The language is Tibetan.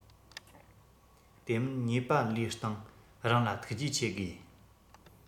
དེ མིན ཉེས པ ལུས སྟེང རང ལ ཐུགས རྗེ ཆེ དགོས